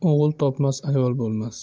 o'g'il topmas ayol bo'lmas